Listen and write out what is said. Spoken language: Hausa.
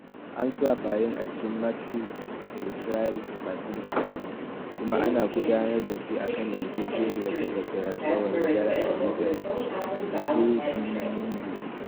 An sa Palin a cikin Mat-Su Pretrial Facility kuma ana gudanar da shi a kan yarjejeniyar takardar alƙwarin $500, in ji KTUU.